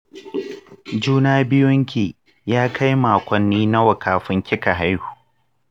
juna biyunki ya kai makonni nawa kafun kika haihu?